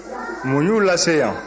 mun b'u lase yan